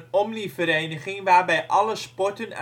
omnivereniging waarbij alle sporten